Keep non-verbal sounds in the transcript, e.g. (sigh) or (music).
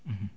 (hesitation) (hesitation)